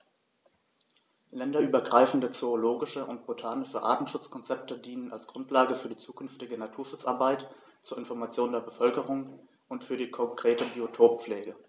Länderübergreifende zoologische und botanische Artenschutzkonzepte dienen als Grundlage für die zukünftige Naturschutzarbeit, zur Information der Bevölkerung und für die konkrete Biotoppflege.